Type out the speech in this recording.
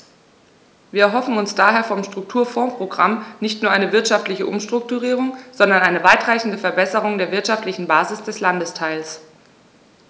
Wir erhoffen uns daher vom Strukturfondsprogramm nicht nur eine wirtschaftliche Umstrukturierung, sondern eine weitreichendere Verbesserung der wirtschaftlichen Basis des Landesteils.